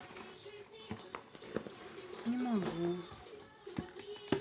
не могу